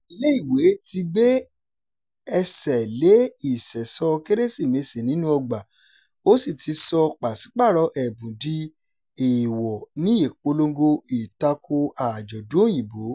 Ilé-ìwé ti gbé ẹsẹ̀ lé ìṣẹ̀ṣọ́ọ Kérésìmesì nínú ọgbà ó sì ti sọ pàṣìpàrọ̀ ẹ̀bùn di èèwọ̀ ní ìpolongo ìtako àjọ̀dún Òyìnbó.